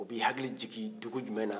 o b'i hakili jigin dugu jumɛn na